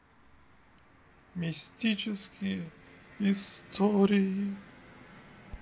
мистические истории